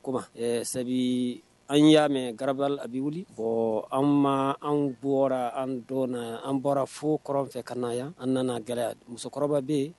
O sabu an y'a mɛn ga a bɛ wuli an ma an bɔra an dɔn an bɔra foɔrɔn fɛ ka na yan an nana gɛlɛya musokɔrɔba bɛ yen